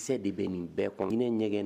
Dɛsɛ de bɛ nin bɛɛ kɔn ɲɛgɛn